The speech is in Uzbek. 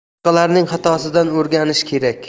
boshqalarning xatosidan o'rganish kerak